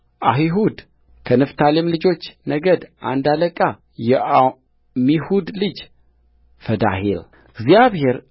አሒሁድከንፍታሌም ልጆች ነገድ አንድ አለቃ የዓሚሁድ ልጅ ፈዳሄልእግዚአብሔር